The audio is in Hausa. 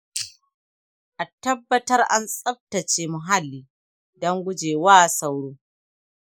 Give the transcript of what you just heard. a tabbatar an tsaftace muhalli don gujewa wa sauro.